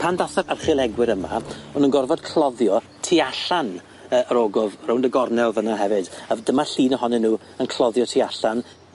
Pan ddath yr archeolegwyr yma, o'n nw'n gorfod cloddio tu allan yy yr ogof rownd y gornel fynna hefyd a dyma llun ohonyn nw yn cloddio tu allan.